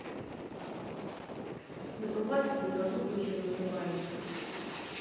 забывать блин подруга еще называется